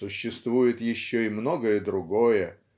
существует еще и многое другое